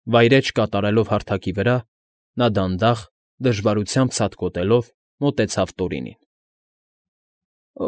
Վայրէջք կատարելով հարթակի վրա՝ նա դանդաղ, դժվարությամբ ցատկոտելով մոտեցավ Տորինին։ ֊